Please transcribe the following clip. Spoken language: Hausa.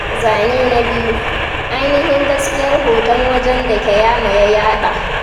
Zane na 2: Ainihin gaskiyar hoton wajen da Keyamo ya yaɗa.